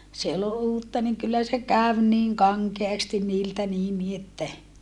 se oli uutta niin kyllä se kävi niin kankeasti niiltä niin niin että